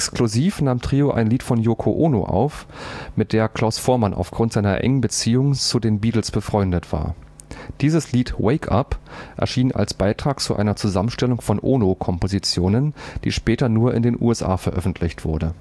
Exklusiv nahm Trio ein Lied von Yoko Ono auf, mit der Klaus Voormann aufgrund seiner engen Beziehung zu den Beatles befreundet war. Dieses Lied („ Wake Up “) erschien als Beitrag zu einer Zusammenstellung von Ono-Kompositionen, die später nur in den USA veröffentlicht wurde